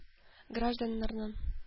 Гражданнарның